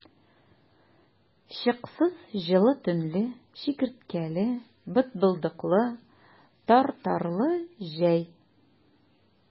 Чыксыз җылы төнле, чикерткәле, бытбылдыклы, тартарлы җәй!